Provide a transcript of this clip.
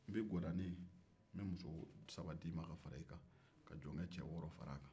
n'bɛ gɔdanin n' bɛ muso saba di i ma ka fara i kan ka jɔnkɛ cɛ wɔɔrɔ fara a kan